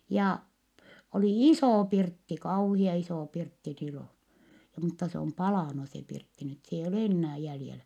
ja oli iso pirtti kauhean iso pirtti silloin mutta se on palanut se pirtti nyt se ei ole enää jäljellä